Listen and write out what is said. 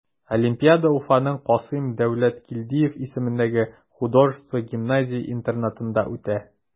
Олимпиада Уфаның Касыйм Дәүләткилдиев исемендәге художество гимназия-интернатында үтә.